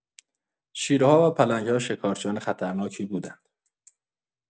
شیرها و پلنگ‌ها شکارچیان خطرناکی بودند.